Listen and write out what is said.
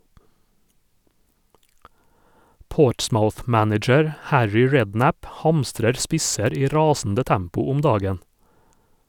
Portsmouth-manager Harry Redknapp hamstrer spisser i rasende tempo om dagen.